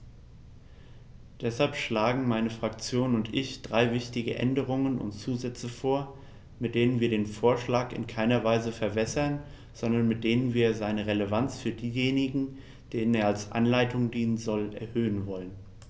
Deshalb schlagen meine Fraktion und ich drei wichtige Änderungen und Zusätze vor, mit denen wir den Vorschlag in keiner Weise verwässern, sondern mit denen wir seine Relevanz für diejenigen, denen er als Anleitung dienen soll, erhöhen wollen.